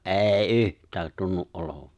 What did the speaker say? ei yhtään tunnu olevan